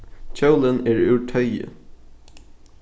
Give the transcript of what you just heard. kjólin er úr toyi